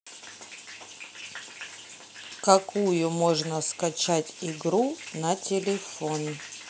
какую можно скачать игру на телефоне